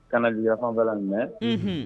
Kana difan bɛ jumɛn